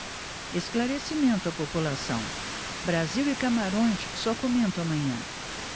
esclarecimento à população brasil e camarões só comento amanhã